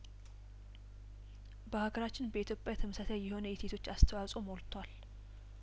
በሀገራችን በኢትዮጵያ ተመሳሳይ የሆነ የሴቶች አስተዋጽኦ ሞልቷል